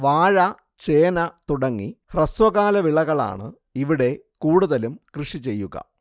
വാഴ ചേന തുടങ്ങി ഹ്രസ്വകാലവിളകളാണ് ഇവിടെ കൂടുതലും കൃഷിചെയ്യുക